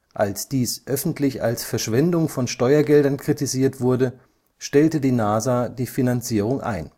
Als dies öffentlich als Verschwendung von Steuergeldern kritisiert wurde, stellte die NASA die Finanzierung ein